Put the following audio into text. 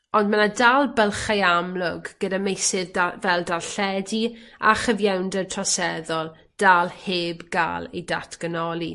On' ma' 'na dal bylchau amlwg gyda meysydd da- fel darlledu a chyfiawnder troseddol dal heb ga'l ei datganoli.